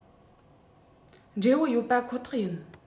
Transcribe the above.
འབྲས བུ ཡོད པ ཁོ ཐག ཡིན